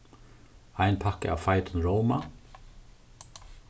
ein pakka av feitum róma